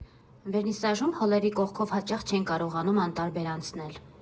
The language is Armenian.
Վերնիսաժում հոլերի կողքով հաճախ չեն կարողանում անտարբեր անցնել.